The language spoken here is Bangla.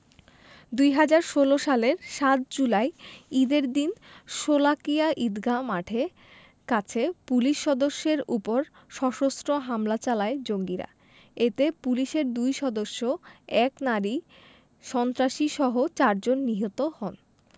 ২০১৬ সালের ৭ জুলাই ঈদের দিন শোলাকিয়া ঈদগাহ মাঠের কাছে পুলিশ সদস্যদের ওপর সশস্ত্র হামলা চালায় জঙ্গিরা এতে পুলিশের দুই সদস্য এক নারী সন্ত্রাসীসহ চারজন নিহত হন